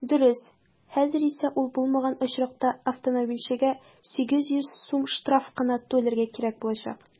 Дөрес, хәзер исә ул булмаган очракта автомобильчегә 800 сум штраф кына түләргә кирәк булачак.